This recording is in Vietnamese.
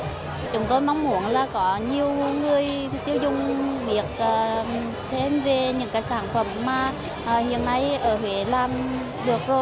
chúng tôi mong muốn là có nhiều người tiêu dùng biết thêm về những cái sản phẩm mà hiện nay ở huế làm được rồi